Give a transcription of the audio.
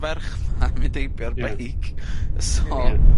ferch 'ma'n mynd eibio ar beic, so